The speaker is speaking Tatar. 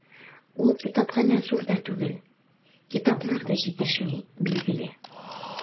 Ул китапханә зур да түгел, китаплар да җитешми, билгеле.